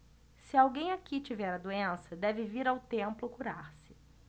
se alguém aqui tiver a doença deve vir ao templo curar-se